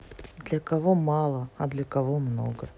для кого мало а для кого много